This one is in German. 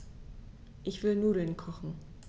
Ich will Nudeln kochen.